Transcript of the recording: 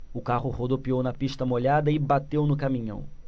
o carro rodopiou na pista molhada e bateu no caminhão